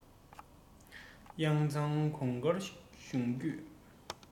ཡར གཙང གོང དཀར གཞུང བརྒྱུད